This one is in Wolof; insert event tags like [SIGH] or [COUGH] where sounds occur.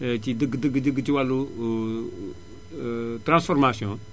[HESITATION] ci dëgg dëgg dëgg ci wàllu [HESITATION] transformation